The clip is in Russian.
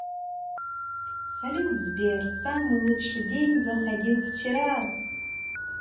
салют сбер самый лучший день заходил вчера